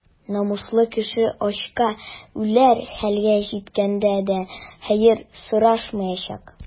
Намуслы кеше ачка үләр хәлгә җиткәндә дә хәер сорашмаячак.